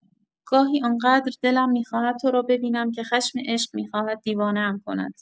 گاهی آن‌قدر دلم می‌خواهد تو را ببینم که خشم عشق می‌خواهد دیوانه‌ام کند.